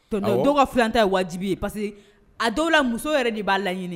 dɔwf ka filananta ye wajibi ye, parce que a dɔw la muso yɛrɛ de b'a laɲini